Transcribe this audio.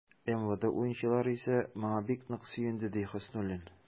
МВД уенчылары исә, моңа бик нык сөенде, ди Хөснуллин.